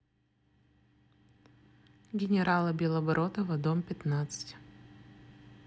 генерала белобородова дом пятнадцать